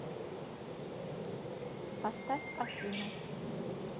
поставь афину